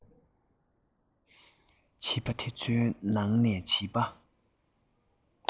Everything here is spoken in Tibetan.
བྱིས པ དེ ཚོའི ནང ནས བྱིས པ